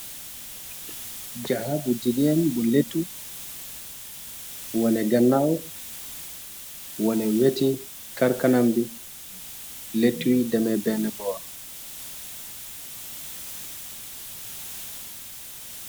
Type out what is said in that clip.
Janha bu jigeen bu léttu wane gannaw wane weti karkanam bi lettuy dema benn boor.